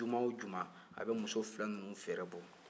juma wo juma a bɛ muso fila ninnu fɛrɛbɔ